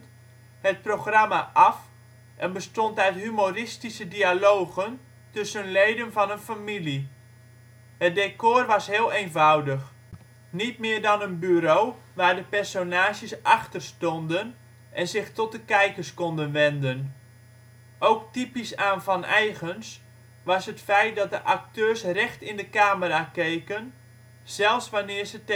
programma af en bestond uit humoristische dialogen tussen leden van een familie. Het decor was heel eenvoudig: niet meer dan een bureau waar de personages achter stonden en zich tot de kijkers konden wenden. Ook typisch aan " Vaneigens " was het feit dat de acteurs recht in de camera keken, zelfs wanneer ze